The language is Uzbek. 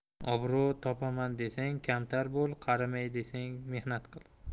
obro' topaman desang kamtar bo'l qarimay desang mehnat qil